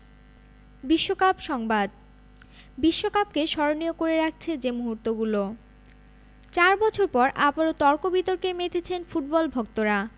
বিশ্বকাপ সংবাদ বিশ্বকাপকে স্মরণীয় করে রাখছে যে মুহূর্তগুলো চার বছর পর আবারও তর্ক বিতর্কে মেতেছেন ফুটবল ভক্তরা